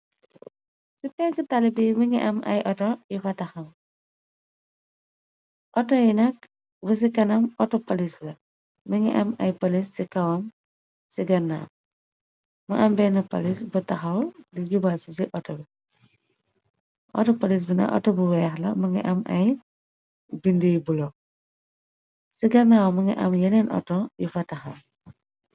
Si peegë talli bi, mu ngi am otto yu fa taxaw, otto yi nak, bi si kanam, otto polis la. Mu ngi am ay polis si kawam, ci gannaaw, mu am beena polis bu taxaw di jubal si si otto, otto polis bi nak otto bu weex la. Mu ngi am ay bindë yu bulo, si gannaaw, mu ngi am yeneen otto yu fa taxaw.